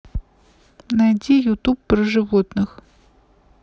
найди ютуб про животных